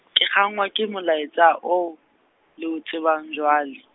ke kgannwa ke molaetsa oo, le o tsebang jwale.